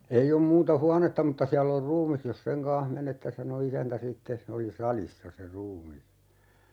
ei ole muuta huonetta mutta siellä on ruumis jos sen kanssa menette sanoi isäntä sitten se oli salissa se ruumis